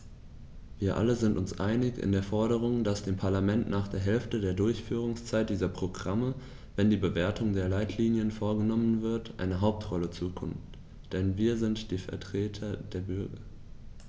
Wir alle sind uns einig in der Forderung, dass dem Parlament nach der Hälfte der Durchführungszeit dieser Programme, wenn die Bewertung der Leitlinien vorgenommen wird, eine Hauptrolle zukommt, denn wir sind die Vertreter der Bürger.